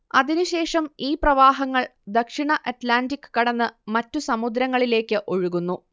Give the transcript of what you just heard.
അതിനുശേഷം ഈ പ്രവാഹങ്ങൾ ദക്ഷിണ അറ്റ്ലാന്റിക് കടന്ന് മറ്റു സമുദ്രങ്ങളിലേക്ക് ഒഴുകുന്നു